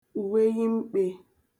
uweyi mkpē